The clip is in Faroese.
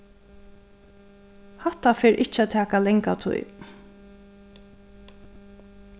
hatta fer ikki at taka langa tíð